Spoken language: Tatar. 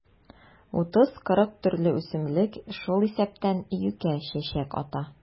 30-40 төрле үсемлек, шул исәптән юкә чәчәк ата.